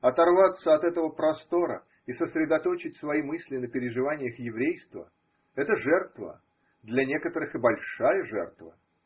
Оторваться от этого простора и сосредоточить свои мысли на переживаниях еврейства – это жертва, для некоторых и большая жертва.